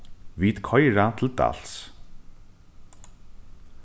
vit koyra til dals